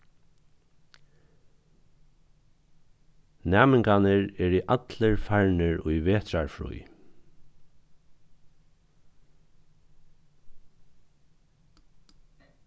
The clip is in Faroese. næmingarnir eru allir farnir í vetrarfrí